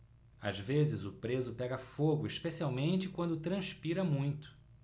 às vezes o preso pega fogo especialmente quando transpira muito